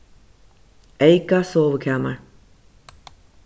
eyka sovikamar